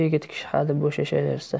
yigit kishi hadeb bo'shashaversa